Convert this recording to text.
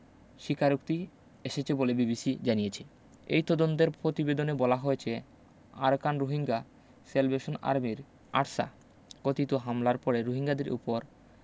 স্বীকারোক্তি এসেছে বলে বিবিসি জানিয়েছে ওই তদন্তদলের পতিবেদনে বলা হয়েছে আরকান রোহিঙ্গা স্যালভেশন আর্মির আরসা কথিত হামলার পরে রোহিঙ্গাদের ওপর